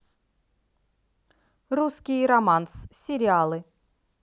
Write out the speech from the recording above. русский романс сериалы